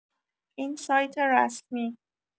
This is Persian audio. این سایت رسمی!